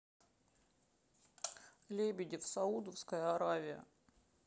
лебедев саудовская аравия